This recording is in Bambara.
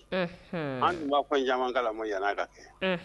Unhuuun an tun b'a fɛn caman kalama yan'a ka kɛ unh